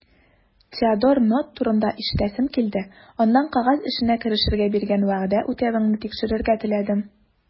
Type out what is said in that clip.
Теодор Нотт турында ишетәсем килде, аннан кәгазь эшенә керешергә биргән вәгъдә үтәвеңне тикшерергә теләдем.